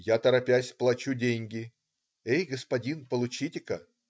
Я, торопясь, плачу деньги: "Эй, господин, получите-ка".